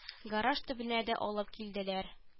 Гараж төбенә дә алып килделәр